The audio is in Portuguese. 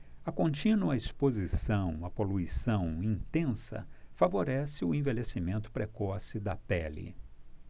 a contínua exposição à poluição intensa favorece o envelhecimento precoce da pele